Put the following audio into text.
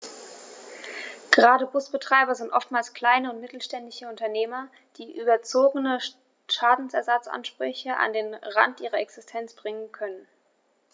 Gerade Busbetreiber sind oftmals kleine und mittelständische Unternehmer, die überzogene Schadensersatzansprüche an den Rand ihrer Existenz bringen können.